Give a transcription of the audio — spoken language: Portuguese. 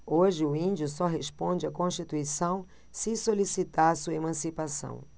hoje o índio só responde à constituição se solicitar sua emancipação